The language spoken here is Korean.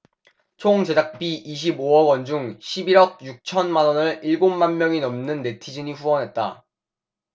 총 제작비 이십 오 억원 중 십 일 억 육천 만원을 일곱 만명이 넘는 네티즌이 후원했다